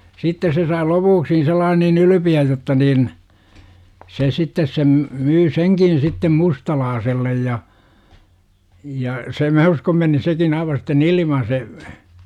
sitten se sai lopuksi sellainen niin ylpeän jotta niin se sitten sen myi senkin sitten mustalaiselle ja ja se minä uskon meni sekin aivan sitten ilman se